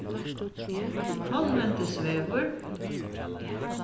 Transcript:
follendisvegur